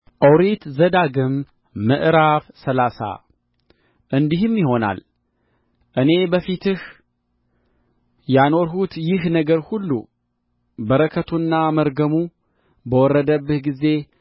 ኦሪት ዘዳግም ምዕራፍ ሰላሳ እንዲህም ይሆናል እኔ በፊትህ ያኖርሁት ይህ ነገር ሁሉ በረከቱና መርገሙ በወረደብህ ጊዜ